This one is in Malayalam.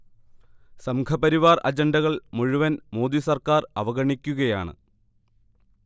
സംഘപരിവാർ അജണ്ടകൾ മുഴുവൻ മോദി സർക്കാർ അവഗണിക്കുകയാണ്